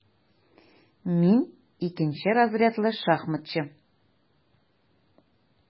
Мин - икенче разрядлы шахматчы.